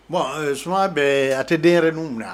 Bon sumaya bɛ a tɛ denɲɛrɛnIn minɛ